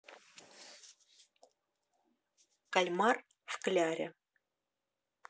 кальмар в кляре